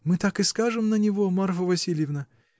Мы так и скажем на него, Марфа Васильевна.